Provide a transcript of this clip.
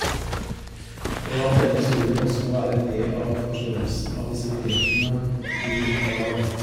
Og at denne historen også må være en del av forståelsen av disse begrepene i dag.